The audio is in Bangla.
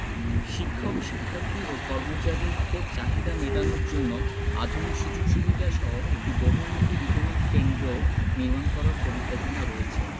শিক্ষক শিক্ষার্থী ও কর্মচারীদের চাহিদা মেটানোর জন্য আধুনিক সুযুগ সুবিধাসহ একটি বহুমুখী বিপণি কেন্দ্রও নির্মাণ করার পরিকল্পনা রয়েছে